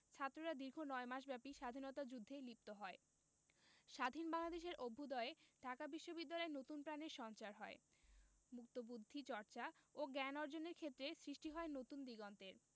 ছাত্ররা দীর্ঘ নয় মাসব্যাপী স্বাধীনতা যুদ্ধে লিপ্ত হয় স্বাধীন বাংলাদেশের অভ্যুদয়ে ঢাকা বিশ্ববিদ্যালয়ে নতুন প্রাণের সঞ্চার হয় মুক্তবুদ্ধি চর্চা ও জ্ঞান অর্জনের ক্ষেত্রে সৃষ্টি হয় নতুন দিগন্তের